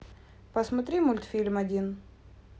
посмотри мультфильм один